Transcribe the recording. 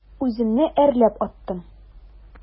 Үземне әрләп аттым.